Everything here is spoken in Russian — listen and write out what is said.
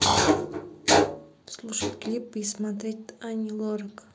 слушать клипы и смотреть ани лорак